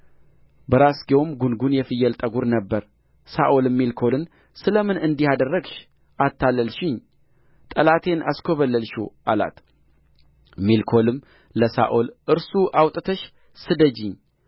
በራስጌውም ጕንጕን የፍየል ጠጉር ነበረ ሳኦልም ሜልኮልን ስለ ምን እንዲህ አድርገሽ አታለልሽኝ ጠላቴን አስኰበለልሽው አላት ሜልኮልም ለሳኦል እርሱ አውጥተሽ ስደጂኝ